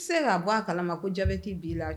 I se k ka bɔ a kala ma ko jabe' b'i la